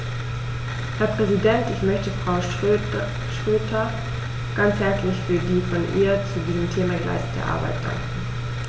Herr Präsident, ich möchte Frau Schroedter ganz herzlich für die von ihr zu diesem Thema geleistete Arbeit danken.